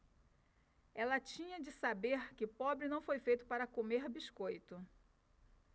ela tinha de saber que pobre não foi feito para comer biscoito